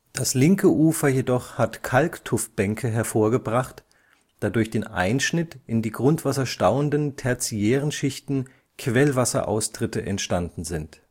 Das linke Ufer jedoch hat Kalktuffbänke hervorgebracht, da durch den Einschnitt in die grundwasserstauenden tertiären Schichten Quellwasseraustritte entstanden sind